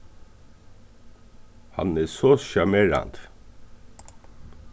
hann er so sjarmerandi